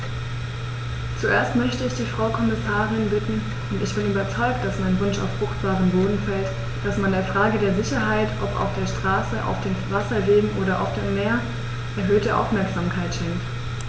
Zuerst möchte ich die Frau Kommissarin bitten - und ich bin überzeugt, dass mein Wunsch auf fruchtbaren Boden fällt -, dass man der Frage der Sicherheit, ob auf der Straße, auf den Wasserwegen oder auf dem Meer, erhöhte Aufmerksamkeit schenkt.